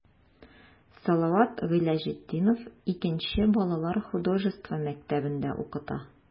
Салават Гыйләҗетдинов 2 нче балалар художество мәктәбендә укыта.